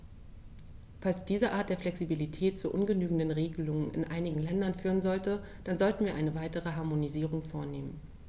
Falls diese Art der Flexibilität zu ungenügenden Regelungen in einigen Ländern führen sollte, dann sollten wir eine weitere Harmonisierung vornehmen.